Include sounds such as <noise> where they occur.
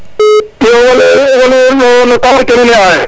<unintelligible> no taxar ke nu ne a yo